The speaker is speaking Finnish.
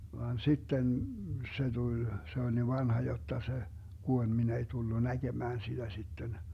vaan sitten se tuli se oli niin vanha jotta se kuoli minä ei tullut näkemään sitä sitten